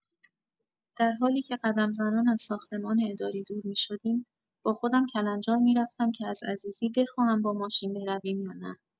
در حالی که قدم‌زنان از ساختمان ادارای دور می‌شدیم با خودم کلنجار می‌رفتم که از عزیزی بخواهم با ماشین برویم یا نه؟!